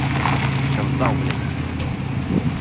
я сказал блять